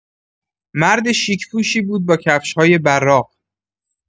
مرد شیک‌پوشی بود با کفش‌های براق.